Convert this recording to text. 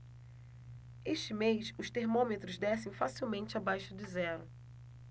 este mês os termômetros descem facilmente abaixo de zero